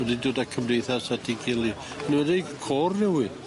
Wedi dod â cymdeithas at 'i gilydd yn enwedig côr newydd.